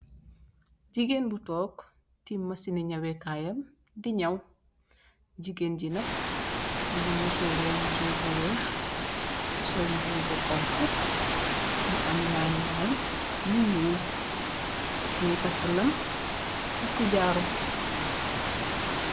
Jigeen bu tog tem machine ni nyaweh kai yaap di nyaw jigeen gi nak mogi musurr musurr bu weex sol mbubu bu xonxu bu am line line yu nuul yu nuul mogi taka lam taka jaaru.